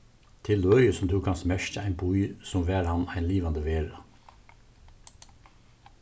tað er løgið sum tú kanst merkja ein bý sum var hann ein livandi vera